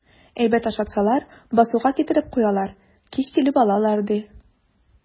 Әйбәт ашаталар, басуга китереп куялар, кич килеп алалар, ди.